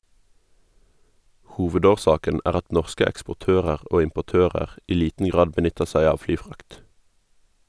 Hovedårsaken er at norske eksportører og importører i liten grad benytter seg av flyfrakt.